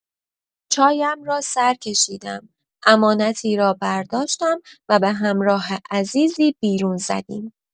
چایم را سر کشیدم، امانتی را برداشتم و به همراه عزیزی بیرون زدیم.